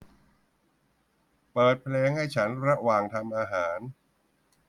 เปิดเพลงให้ฉันระหว่างทำอาหาร